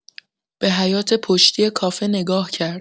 به حیاط پشتی کافه نگاه کرد.